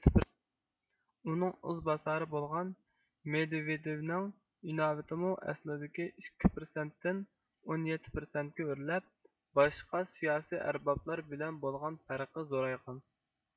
ئۇنىڭ ئىز باسارى بولغان مېدۋېدېۋنىڭ ئىناۋىتىمۇ ئەسلىدىكى ئىككى پىرسەنتتىن ئون يەتتە پىرسەنتكە ئۆرلەپ باشقا سىياسىي ئەربابلار بىلەن بولغان پەرقى زورايغان